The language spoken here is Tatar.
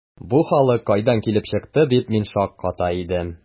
“бу халык кайдан килеп чыкты”, дип мин шакката идем.